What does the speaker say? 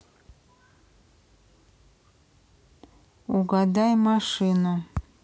угадай машину